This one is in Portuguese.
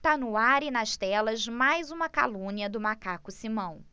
tá no ar e nas telas mais uma calúnia do macaco simão